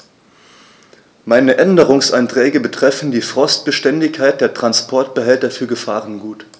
Meine Änderungsanträge betreffen die Frostbeständigkeit der Transportbehälter für Gefahrgut.